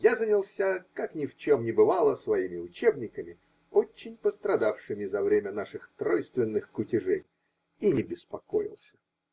Я занялся, как ни в чем не бывало, своими учебниками, очень пострадавшими за время наших тройственных кутежей, и не беспокоился.